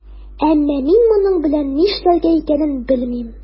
Әмма мин моның белән нишләргә икәнен белмим.